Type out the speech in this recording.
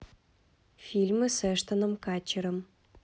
фильмы с эштоном катчером